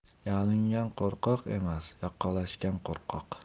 yalingan qo'rqoq emas yoqalashgan qo'rqoq